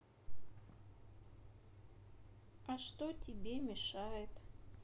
а что тебе мешает